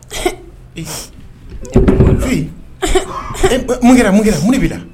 Mun kɛra mun f bɛ la